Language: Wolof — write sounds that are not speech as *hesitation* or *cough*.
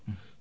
*hesitation* *hesitation*